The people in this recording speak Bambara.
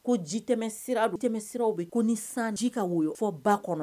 Ko ji tɛ sira tɛmɛ siraw bɛ ko ni sanji kawoyɔ fɔ ba kɔnɔ